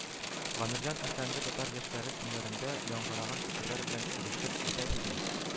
- гамирҗан әфәнде, татар яшьләре көннәрендә яңгыраган фикерләр белән килешеп бетәсезме